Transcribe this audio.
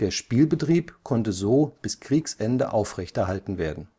Spielbetrieb konnte so bis Kriegsende aufrechterhalten werden